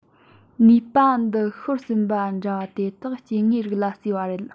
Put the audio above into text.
ནུས པ འདི ཤོར ཟིན པ འདྲ བ དེ དག སྐྱེ དངོས རིགས ལ བརྩིས པ རེད